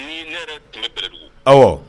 Aw